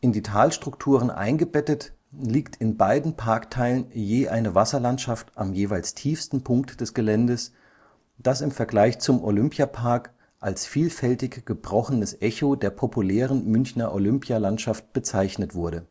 die Talstrukturen eingebettet liegt in beiden Parkteilen je eine Wasserlandschaft am jeweils tiefsten Punkt des Geländes, das im Vergleich zum Olympiapark als „ vielfältig gebrochenes Echo der populären Münchner Olympia-Landschaft “bezeichnet wurde